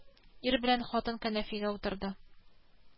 Ир белән хатын кәнәфигә утырды